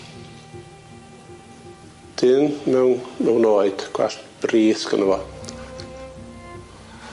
Dyn mewn mewn oed gwallt brith s' gynno fo.